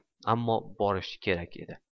ammo borishi kerak edi